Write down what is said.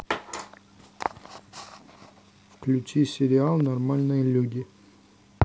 включи сериал нормальные люди